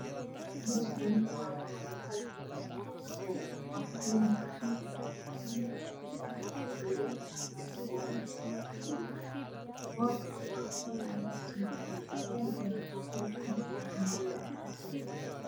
Meshani waa boor waxyalo saxan cadan ah waxakujira jibsi barbaroni cagar yayo sibasan ah boorka waa cadan seytuun basbes aya baquli kujiro oo gaduudan